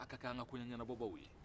a' ka k'an ka koɲɛ ɲɛnɛbɔbaw ye